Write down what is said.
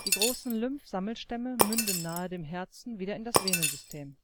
großen Lymphsammelstämme münden nahe dem Herzen wieder in das Venensystem